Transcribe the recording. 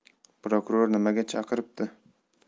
prokuror nimaga chaqiribdi